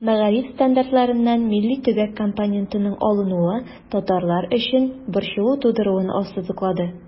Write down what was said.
Мәгариф стандартларыннан милли-төбәк компонентының алынуы татарлар өчен борчылу тудыруын ассызыклады.